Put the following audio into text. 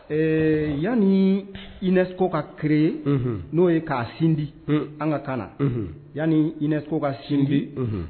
Ɛɛ yanni iinɛso ka kie n'o ye k'a sindi an ka kan na yanni iso ka sindi